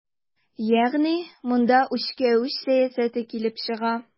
Ягъни монда үчкә-үч сәясәте килеп чыга.